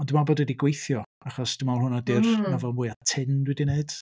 Ond dwi'n meddwl bod o 'di gweithio, achos dwi'n meddwl hwnna ydy'r... hmm. ...nofel mwyaf tynn dwi 'di wneud.